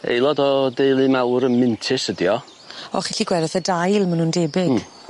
Aelod o deulu mawr y mintys ydi o. O chi 'llu gwel' wrth y dail ma' nw'n debyg. Hmm.